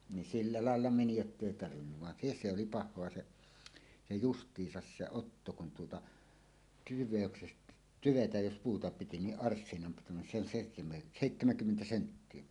niin sillä lailla meni jotta ei tarvinnut vaan se se oli pahaa se se justiinsa se otto kun tuota tyvestä tyvetä jos puuta piti niin arssinan pituinen se on - seitsemänkymmentä senttiä